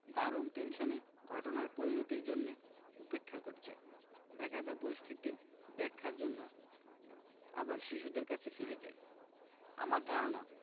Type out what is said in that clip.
দারুণ টেনশনে ঘটনার পরিণতির জন্যে অপেক্ষা করছে বেকায়দা পরিস্থিতির ব্যাখ্যার জন্যে আবার শিশুদের কাছে ফিরে যাই আমার ধারণা